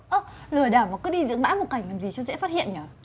ơ lừa đảo mà cứ đi diễn mãi một cảnh để làm gì cho dễ phát hiện nhờ